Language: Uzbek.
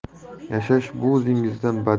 yashash bu o'zingizdan